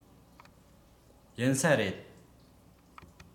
ཡིན ས རེད